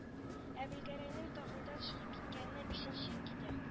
Әбелгәрәйнең тагылдан чыгып киткәненә бишенче ел китә